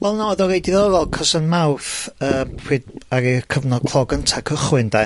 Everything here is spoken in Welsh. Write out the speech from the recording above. Wel na odd o reit diddorol, c'os yn Mawrth yy pryd ddaru'r cyfnod clo gynta' cychwyn 'de